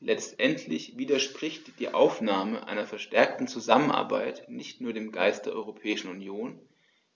Letztendlich widerspricht die Aufnahme einer verstärkten Zusammenarbeit nicht nur dem Geist der Europäischen Union,